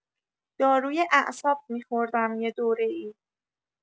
داروی اعصاب می‌خوردم یه دوره‌ای.